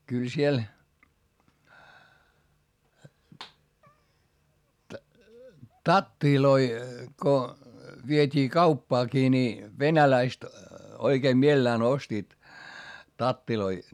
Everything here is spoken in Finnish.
kyllä siellä tatteja kun vietiin kauppaankin niin venäläiset oikein mielellään ostivat tatteja